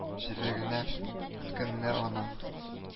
Җелегенә үткәннәр аның